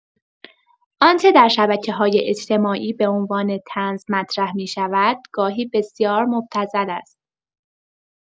آنچه در شبکه‌های اجتماعی به عنوان طنز مطرح می‌شود، گاهی بسیار مبتذل است.